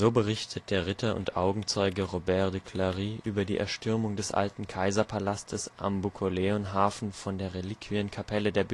berichtet der Ritter und Augenzeuge Robert de Clari über die Erstürmung des alten Kaiserpalastes am Bukoleon-Hafen von der Reliquienkapelle der